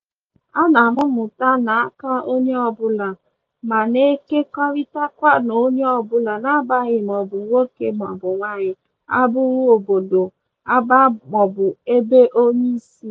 Ana m amụta n'aka onye ọbụla ma na-ekekọrịtakwa n'onye ọbụla n'agbanyeghị ma ọ bụ nwoke ma ọ bụ nwaanyi, agbụrụ, obodo, agba maọbụ ebeonyesi.